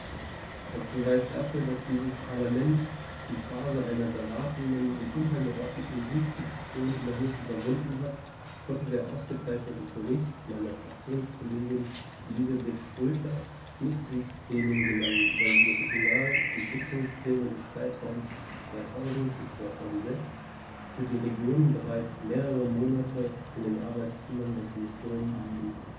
Als Beweis dafür, dass dieses Parlament die Phase einer beratenden und untergeordneten Institution noch nicht überwunden hat, konnte der ausgezeichnete Bericht meiner Fraktionskollegin Elisabeth Schroedter nicht ins Plenum gelangen, weil die Regionalentwicklungspläne des Zeitraums 2000-2006 für die Regionen bereits mehrere Monate in den Arbeitszimmern der Kommission liegen.